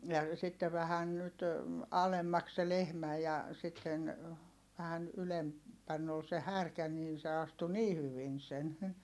ja sitten vähän nyt alemmaksi se lehmä ja sitten vähän - ylempänä oli se härkä niin se astui niin hyvin sen